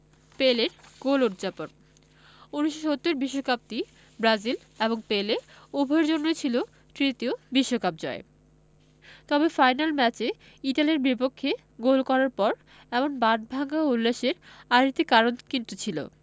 পেলের গোল উদ্ যাপন ১৯৭০ বিশ্বকাপটি ব্রাজিল এবং পেলে উভয়ের জন্যই ছিল তৃতীয় বিশ্বকাপ জয় তবে ফাইনাল ম্যাচে ইতালির বিপক্ষে গোল করার পর এমন বাঁধভাঙা উল্লাসের আরেকটি কারণ কিন্তু ছিল